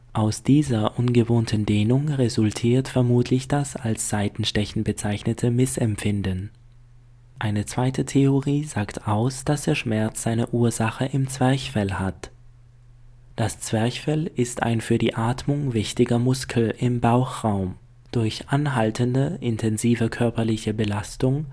Aus dieser ungewohnten Dehnung resultiert vermutlich das als „ Seitenstechen “bezeichnete Missempfinden. Eine zweite Theorie sagt aus, dass der Schmerz seine Ursache im Zwerchfell hat. Das Zwerchfell ist ein für die Atmung wichtiger Muskel im Bauchraum. Durch anhaltende intensive körperliche Belastung